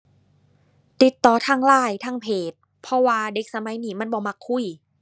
ติดต่อทาง LINE ทางเพจ เพราะว่าเด็กสมัยนี้มันบ่มักคุย